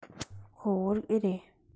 ཁོ བོད རིགས འེ རེད